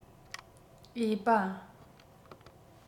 འོས པ